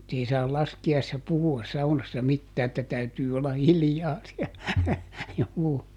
sanottiin että - ei saa laskiaisena puhua saunassa mitään että täytyy olla hiljaa siellä juu